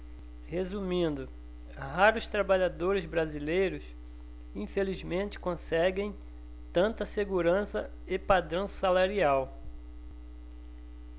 resumindo raros trabalhadores brasileiros infelizmente conseguem tanta segurança e padrão salarial